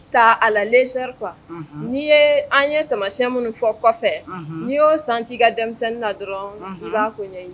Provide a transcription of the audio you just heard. Ta à la légère quoi ;Unhun; N'i ye an ye taamasiyɛn minnu fɔ kɔfɛ; Unhun; n'i y'o senti i ka denmisɛnnin la dɔrɔn; Unhun ; i b'a ko ɲɛ ɲini.